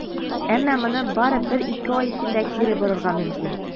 Әмма моны бары бер-ике ай эчендә кире борырга мөмкин.